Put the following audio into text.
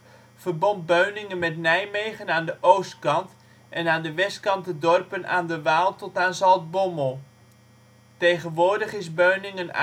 verbond Beuningen met Nijmegen aan de oostkant en aan de westkant de dorpen aan de Waal tot aan Zaltbommel. Tegenwoordig is Beuningen